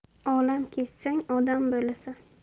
olam kezsang odam bo'lasan